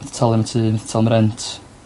Fi talu am tŷ talu 'm rent.